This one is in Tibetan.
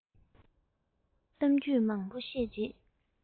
གཏམ རྒྱུད མང པོ བཤད རྗེས